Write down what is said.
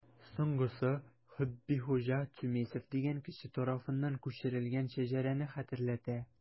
Соңгысы Хөббихуҗа Тюмесев дигән кеше тарафыннан күчерелгән шәҗәрәне хәтерләтә.